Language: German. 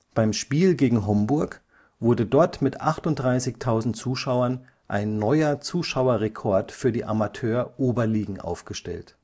Beim Spiel gegen Homburg wurde dort mit 38.000 Zuschauern ein neuer Zuschauerrekord für die Amateuroberligen aufgestellt